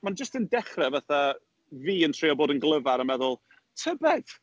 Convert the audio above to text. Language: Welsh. Mae'n jyst yn dechra fatha fi yn trio bod yn glyfar a meddwl, "tybed".